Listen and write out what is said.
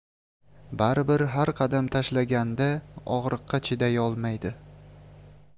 bari bir har qadam tashlaganda og'riqqa chidayolmaydi